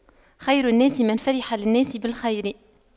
خير الناس من فرح للناس بالخير